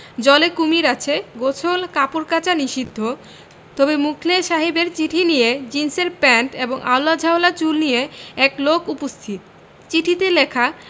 জলে কুমীর আছে গোসল কাপড় কাচা নিষিদ্ধ তবে মুখলেস সাহেবের চিঠি নিয়ে জীনসের প্যান্ট এবং আউলা ঝাউলা চুল নিয়ে এক লােক উপস্থিত চিঠিতে লেখা